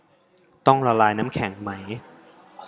ต้องละลายน้ำแข็งไหม